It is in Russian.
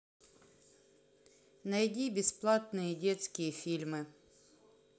найди бесплатные детские фильмы